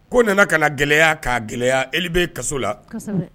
Ko nana ka gɛlɛya'a gɛlɛya e bɛ ka la